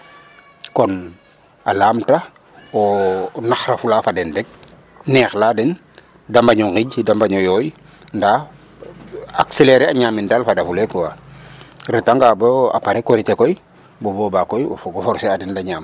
Kon a lamta o naxrafula fa den rek neexla den da mbañ o nqij da mbañ o yooy ndaa accelerer a ñaamin daal fadafulee quoi retanga bo aprés korite koy bu boba koy o forcé a den da ñaam .